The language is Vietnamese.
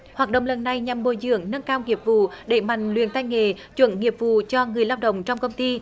hoạt động lần này nhằm bồi dưỡng nâng cao nghiệp vụ đẩy mạnh luyện tay nghề chuẩn nghiệp vụ cho người lao động trong công ty